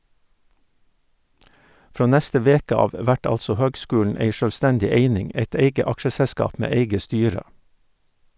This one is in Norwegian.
Frå neste veke av vert altså høgskulen ei sjølvstendig eining, eit eige aksjeselskap med eige styre.